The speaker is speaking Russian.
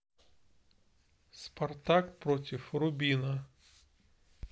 спартак против рубина